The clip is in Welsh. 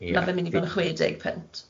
Ma' fe'n mynd i fod yn y chwe deg punt.